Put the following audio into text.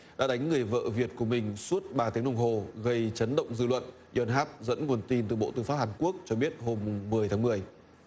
đã đánh người vợ việt của mình suốt ba tiếng đồng hồ gây chấn động dư luận don háp dẫn nguồn tin từ bộ tư pháp hàn quốc cho biết hôm mùng mười tháng mười